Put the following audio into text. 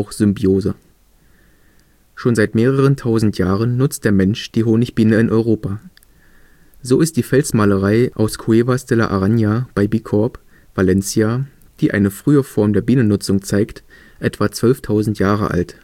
→Symbiose). Schon seit mehreren tausend Jahren nutzt der Mensch die Honigbiene in Europa. So ist die Felsmalerei aus Cuevas de la Araña bei Bicorp, Valencia, die eine frühe Form der Bienennutzung zeigt, etwa 12.000 Jahre alt